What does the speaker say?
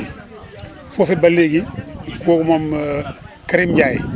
foofu it ba léegi kooku moom Karime Ndiaye